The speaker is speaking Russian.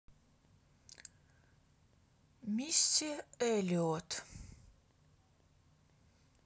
мисси эллиот